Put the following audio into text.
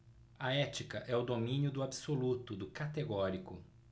a ética é o domínio do absoluto do categórico